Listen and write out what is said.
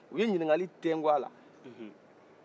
u ye ɲininkali tɛɛnku a la